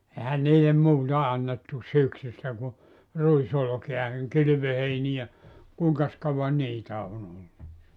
eihän niille muuta annettu syksystä kuin ruisolkea niin kylvöheiniä kuinkas kauan niitä on ollut